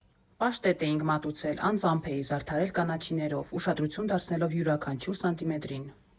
Պաշտետ էինք մատուցել, անձամբ էի զարդարել կանաչիներով՝ ուշադրություն դարձնելով յուրաքանչյուր սանտիմետրին։